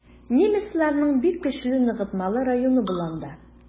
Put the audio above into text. Немецларның бик көчле ныгытмалы районы була анда.